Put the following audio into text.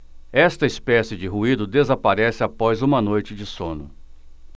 esta espécie de ruído desaparece após uma noite de sono